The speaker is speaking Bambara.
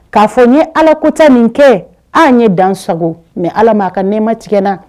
K'a fɔ ye ala ko tɛ min kɛ an ye dansago mɛ ala ma ka nɛ ma tigɛ na